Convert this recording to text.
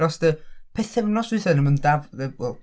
Dros y pythefnos dwytha yna mae yna dal mhm wel...